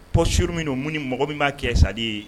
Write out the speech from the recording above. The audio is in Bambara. Posture min don mun ni mɔgɔ min b'a kɛ ç'a dire